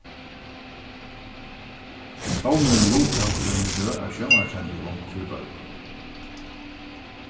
klovnurin luttók í eini røð av sjónvarpssendingum fyri børn